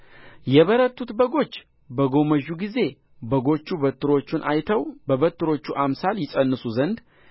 የበረቱት በጎች በጎመጁ ጊዜ በጎቹ በትሮቹን አይተው በበትሮቹ አምሳል ይፀንሱ ዘንድ